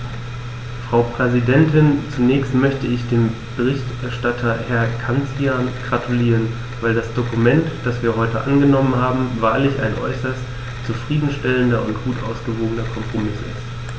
Frau Präsidentin, zunächst möchte ich dem Berichterstatter Herrn Cancian gratulieren, weil das Dokument, das wir heute angenommen haben, wahrlich ein äußerst zufrieden stellender und gut ausgewogener Kompromiss ist.